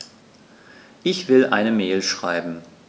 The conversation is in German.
Ich will eine Mail schreiben.